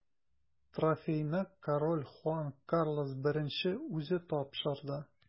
Трофейны король Хуан Карлос I үзе тапшырды.